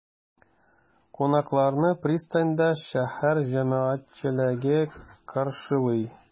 Кунакларны пристаньда шәһәр җәмәгатьчелеге каршылый.